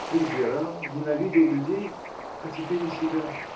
Презирал, ненавидел людей, а теперь и себя.